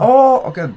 Oo oce.